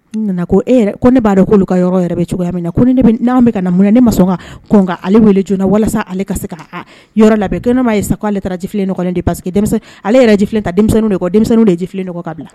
N nana ko e ko ne b'a'olu ka yɔrɔ cogo min na ko n' ka mun ne ma sɔn ka ale joona walasa ale ka se yɔrɔ labɛn ko nema' ye sago ale jifilen de parce ale yɛrɛ ji filɛ taw de kɔ denmisɛnninw dejifilen k ka bila